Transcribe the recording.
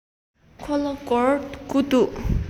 ཁོ ལ སྒོར དགུ འདུག